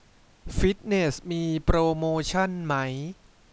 ฟิตเนสมีโปรโมชั่นไหม